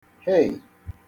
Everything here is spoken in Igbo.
heì!